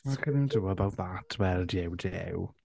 What can you do about that? Wel duw, duw.